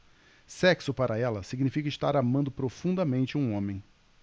sexo para ela significa estar amando profundamente um homem